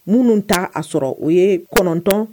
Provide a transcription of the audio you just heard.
Minnu ta aa sɔrɔ u ye kɔnɔntɔn